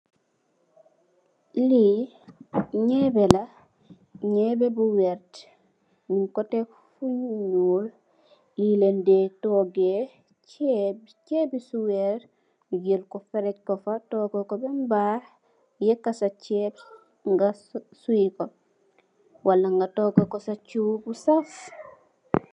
Li nyeeba la nyeebe bu werta nyun ko def lu nuul le len dex toge cheeb cheebi suweer nyu jel ko fere ko fa toga ko bem bakx yeka sa cheeb nga oi ko wala nga togako sax chu bu saff.